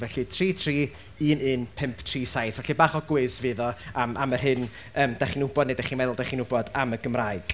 Felly tri tri un un pump tri saith, felly bach o gwis fydd o am am yr hyn dach chi'n wybod neu dach chi'n meddwl dach chi'n wybod am y Gymraeg.